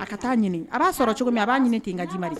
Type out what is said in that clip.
A ka taa ɲini . A ba sɔrɔ cogo min a ba ɲini ten ka di ma de .